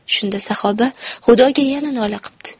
shunda saxoba xudoga yana nola qipti